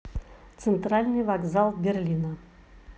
центральный вокзал берлина